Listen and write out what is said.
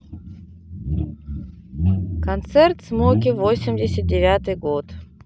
концерт смоки восемьдесят девятый год